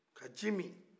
ka ji min